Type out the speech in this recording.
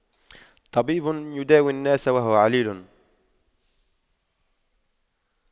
طبيب يداوي الناس وهو عليل